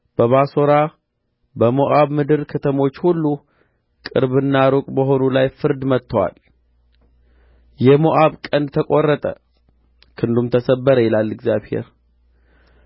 በባሶራ በሞዓብም ምድር ከተሞች ሁሉ ቅርብና ሩቅ በሆኑ ላይ ፍርድ መጥቶአል የሞዓብ ቀንድ ተቈረጠ ክንዱም ተሰበረ ይላል እግዚአብሔር